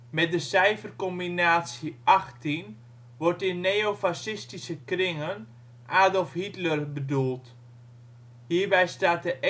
Met de cijfercombinatie " 18 " wordt in neofascistische kringen Adolf Hitler bedoeld. Hierbij staat de